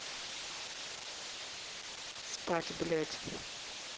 спать блять